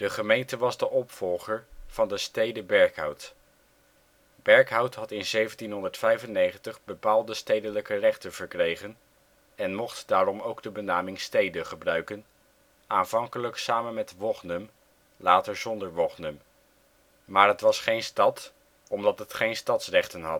gemeente was de opvolger van de stede Berkhout. Berkhout had in 1795 bepaalde stedelijke rechten verkregen, en mocht daarom ook de benaming stede gebruiken; aanvankelijk samen met Wognum, later zonder Wognum. Maar het was geen stad, omdat het geen stadsrechten